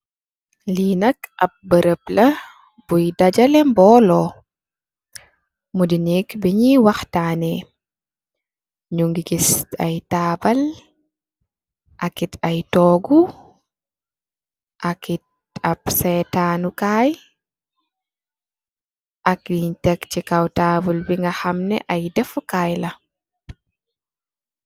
Linak ap berep la bui dajele mbolo, mudi nek bu nyi wahtane. Nyu ngi giss ay tabal, akit ay togu, akit ap setanu kaii, ak lunge Tek sy kaww tabal bi nga hamneh ay defu Kay la.